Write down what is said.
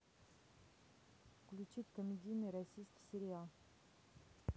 включить комедийный российский сериал